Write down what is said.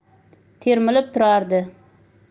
termilib turardi